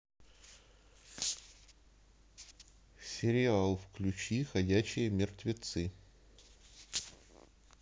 сериал включи ходячие мертвецы